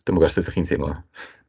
Dwi'm yn gwbod sut dach chi'n teimlo?